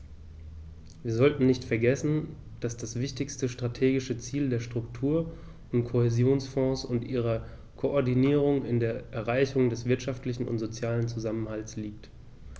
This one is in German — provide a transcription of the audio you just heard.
Wir sollten nicht vergessen, dass das wichtigste strategische Ziel der Struktur- und Kohäsionsfonds und ihrer Koordinierung in der Erreichung des wirtschaftlichen und sozialen Zusammenhalts liegt.